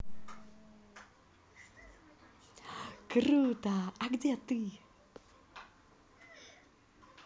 круто а где ты